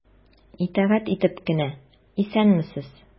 Итагать итеп кенә:— Исәнмесез!